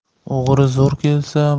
o'g'ri zo'r kelsa